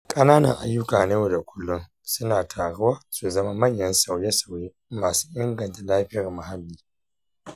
ƙananan ayyuka na yau da kullum suna taruwa su zama manyan sauye-sauye masu inganta lafiyar muhalli.